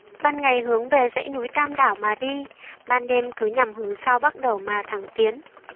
ban ngày hướng về dãy núi tam đảo mà đi ban đêm cứ nhằm hướng sao bắc đẩu mà thẳng tiến